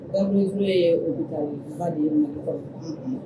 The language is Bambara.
unhun